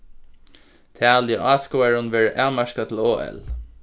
talið á áskoðarum verður avmarkað til ol